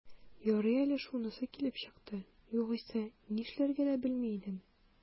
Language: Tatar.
Ярый әле шунысы килеп чыкты, югыйсә, нишләргә дә белми идем...